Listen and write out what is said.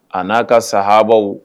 A n'a ka saaabaa